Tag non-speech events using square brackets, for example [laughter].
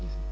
[hesitation] [hesitation]